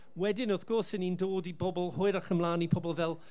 Wedyn, wrth gwrs, 'y ni'n dod i bobl hwyrach ymlaen, i pobl fel...